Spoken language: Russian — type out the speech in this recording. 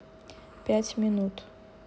пять минут